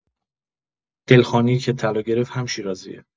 دلخانی که طلا گرفت هم شیرازیه